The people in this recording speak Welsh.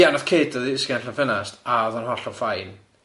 Ia nath kid o ddisgyn allan o ffenast a o'dd o'n hollol fine.